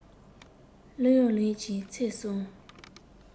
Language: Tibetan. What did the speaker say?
གླུ དབྱངས ལེན གྱིན ཚེས གསུམ